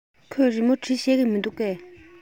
ཁོས རི མོ འབྲི ཤེས ཀྱི མིན འདུག གས